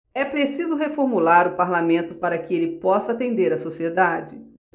é preciso reformular o parlamento para que ele possa atender a sociedade